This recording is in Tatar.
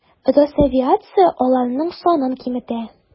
Росавиация аларның санын киметә.